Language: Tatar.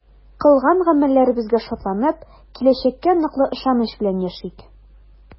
Кылган гамәлләребезгә шатланып, киләчәккә ныклы ышаныч белән яшик!